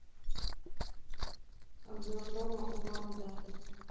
обзор дома улан удэ